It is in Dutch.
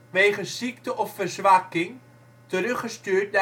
wegens ziekte of verzwakking teruggestuurd